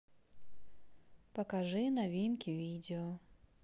покажи новинки видео